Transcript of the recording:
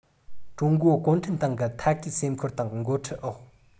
ཀྲུང གོའི གུང ཁྲན ཏང གི ཐད ཀའི སེམས ཁུར དང འགོ ཁྲིད འོག